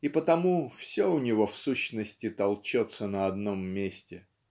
И потому все у него, в сущности, толчется на одном месте.